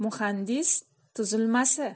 muhandislik tuzilmasi